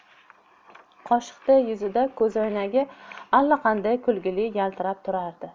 qoshiqdek yuzida ko'zoynagi allaqanday kulgili yaltirab turardi